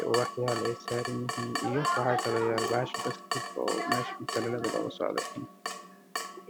yaalaa waxaa kale meesha ka muuqdo qalabka lagu jimicsado sakxada dhulkana waa cadays